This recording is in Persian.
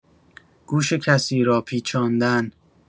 گوش کسی را پیچاندن